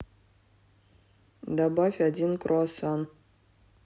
добавь один круассан